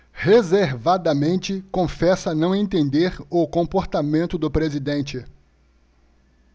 reservadamente confessa não entender o comportamento do presidente